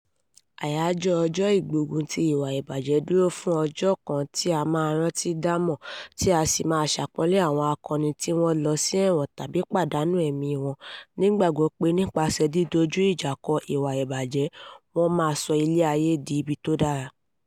Àyájọ́ ọjọ́ ìgbógun ti ìwà ìbàjẹ́ dúró fún ọjọ́ kan tí a máa rántí, dámọ̀ tí a sì máa ṣàpọ́nlé àwọn akọni, tí wọ́n lọ sí ẹ̀wọ̀n tàbí pàdánù ẹ̀mí wọn ní ìgbàgbọ́ pé nípasẹ̀ di dojú ìjà kọ ìwà ìbàjẹ́ wọn máa sọ ilé ayé di ibi tí ó dára.